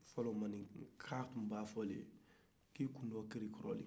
maninka tun b'a fɔ de k'i kun na kirikɔrɔlen don